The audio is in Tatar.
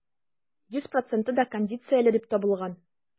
Йөз проценты да кондицияле дип табылган.